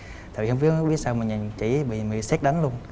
thời hông biết biết sao mà nhìn chị ý bị bị sét đánh luôn